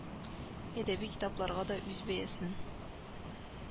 Әдәби китапларга да үз бәясен